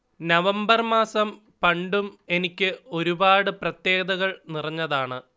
November മാസം പണ്ടും എനിക്ക് ഒരുപാട് പ്രത്യേകതകൾ നിറഞ്ഞതാണ്